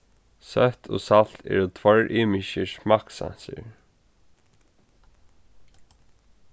søtt og salt eru tveir ymiskir smakksansir